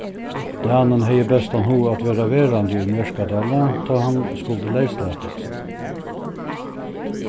danin hevði bestan hug at verða verandi í mjørkadali tá hann skuldi leyslatast